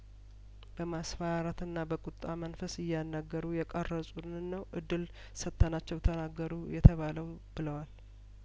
በማስፈራራትና በቁጣ መንፈስ እያናገሩ የቀረጹንን ነው እድል ሰጥተ ናቸው ተናገሩ የተባለው ብለዋል